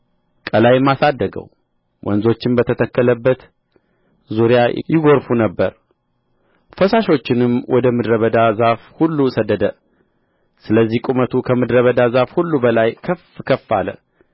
ቀላይም አሳደገው ወንዞችም በተተከለበት ዙሪያ ይጐርፉ ነበር ፈሳሾቹንም ወደ ምድረ በዳ ዛፍ ሁሉ ሰደደ ስለዚህ ቁመቱ ከምድረ በዳ ዛፍ ሁሉ በላይ ከፍ ከፍ አለ